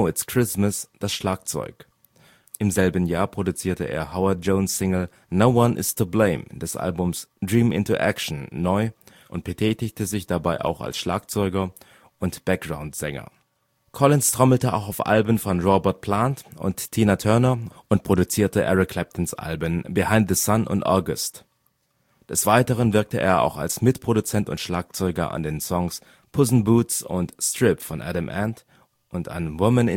's Christmas) das Schlagzeug. Im selben Jahr produzierte er Howard Jones ' Single No One Is To Blame des Albums Dream into Action neu und betätigte sich dabei auch als Schlagzeuger und Background Sänger. Collins trommelte auch auf Alben von Robert Plant und Tina Turner und produzierte Eric Claptons Alben Behind the Sun und August. Des Weiteren wirkte er auch als Mitproduzent und Schlagzeuger an den Songs Puss 'n Boots und Strip von Adam Ant und an Woman